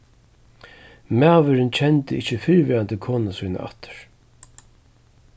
maðurin kendi ikki fyrrverandi konu sína aftur